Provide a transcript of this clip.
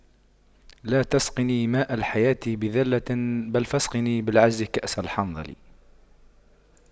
لا تسقني ماء الحياة بذلة بل فاسقني بالعز كأس الحنظل